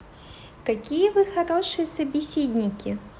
какие вы хорошие собеседники